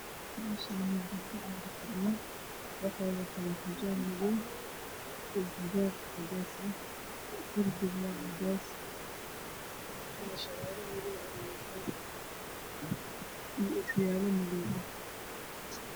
Meshani gabdho aya fadhiya waxey watan xijab madow io xijab cades ah darbiga waa cades indhoshero madow ah ayey watan io ookiyalo madow ah